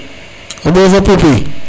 o MBof o pouy pouy